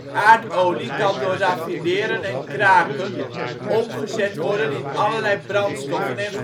Aardolie kan door raffineren en kraken omgezet worden in allerlei brandstoffen en